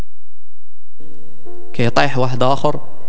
يطيح واحد اخر